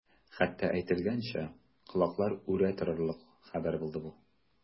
Хатта әйтелгәнчә, колаклар үрә торырлык хәбәр булды бу.